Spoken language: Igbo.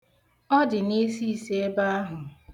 Ọ dị n'isiisi ebe ahụ.